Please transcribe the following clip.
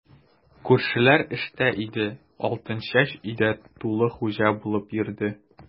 Күршеләр эштә иде, Алтынчәч өйдә тулы хуҗа булып йөрде.